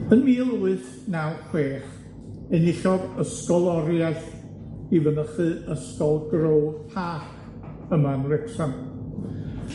Yn mil wyth naw chwech enillodd ysgoloriaeth i fynychu ysgol Bro Taff yma yn Wrecsam,